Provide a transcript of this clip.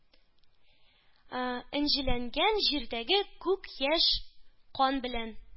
Энҗеләнгән җирдәге күз яшь, кан белән!